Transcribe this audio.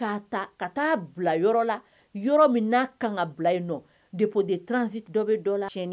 Kan deransi dɔ bɛ